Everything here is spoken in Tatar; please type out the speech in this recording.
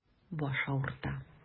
Баш авырта.